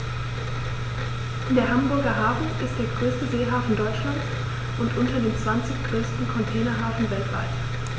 Der Hamburger Hafen ist der größte Seehafen Deutschlands und unter den zwanzig größten Containerhäfen weltweit.